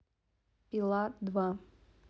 пила два